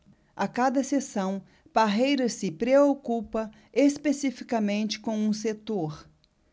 a cada sessão parreira se preocupa especificamente com um setor